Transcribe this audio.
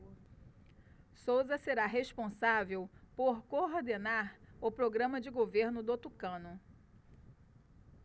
souza será responsável por coordenar o programa de governo do tucano